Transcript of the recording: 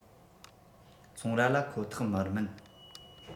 ཚོང ར ལ ཁོ ཐག མི དམན